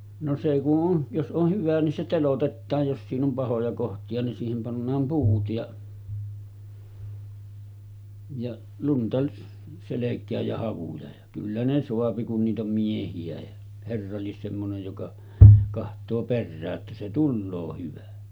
no se kun on jos on hyvä niin se teloitetaan jos siinä on pahoja kohtia niin siihen pannaan puut ja ja lunta selkään ja havuja ja kyllä ne saa kun niitä on miehiä ja herra lie semmoinen joka katsoo perään että se tulee hyvä